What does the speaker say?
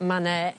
ma' 'ne